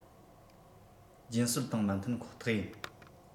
རྒྱུན སྲོལ དང མི མཐུན ཁོ ཐག ཡིན